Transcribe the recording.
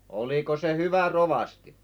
oliko se hyvä rovasti